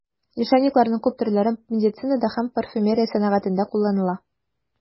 Лишайникларның күп төрләре медицинада һәм парфюмерия сәнәгатендә кулланыла.